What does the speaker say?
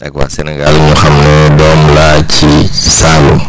ak waa sénégal yi nga xam ne doom laa ci Saloum